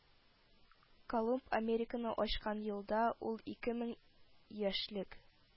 Колумб Американы ачкан елда ул ике мең яшьлек